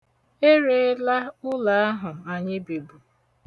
Erela ụlọ ahụ anyị bibu.